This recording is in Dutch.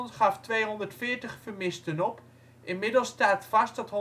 gaf 240 vermisten op. Inmiddels staat vast dat